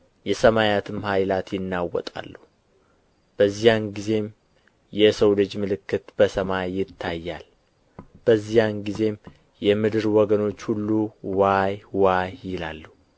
የሰማያትም ኃይላት ይናወጣሉ በዚያን ጊዜም የሰው ልጅ ምልክት በሰማይ ይታያል በዚያን ጊዜም የምድር ወገኖች ሁሉ ዋይ ዋይ ይላሉ